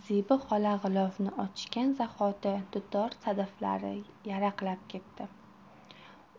zebi xola g'ilofni ochgan zahoti dutor sadaflari yaraqlab ketdi